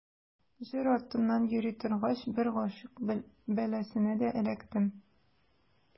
Җыр артыннан йөри торгач, бер гыйшык бәласенә дә эләктем.